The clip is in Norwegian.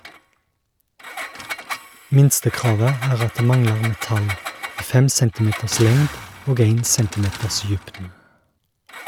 Minstekravet er at det manglar metall i fem centimeters lengd og ein centimeters djupn.